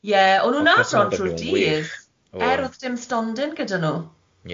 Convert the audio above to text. Ie, o' nhw'n trw dydd. Er o'dd dim stondin gyda nhw